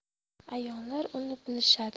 a'yonlar buni bilishadi